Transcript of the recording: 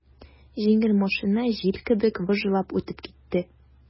Җиңел машина җил кебек выжлап үтеп китте.